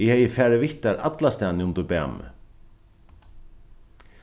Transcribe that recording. eg hevði farið við tær allastaðni um tú bað meg